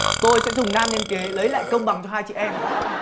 tôi sẽ dùng nam nhân kế lấy lại công bằng cho hai chị em